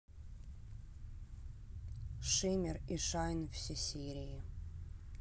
шиммер и шайн все серии